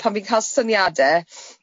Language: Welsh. Pan fi'n cael syniade... M-hm.